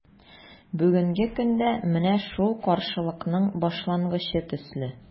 Бүгенге көндә – менә шул каршылыкның башлангычы төсле.